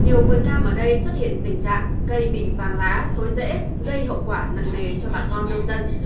nhiều vườn cam ở đây xuất hiện tình trạng cây bị vàng lá thối rễ gây hậu quả nặng nề cho bà con nông dân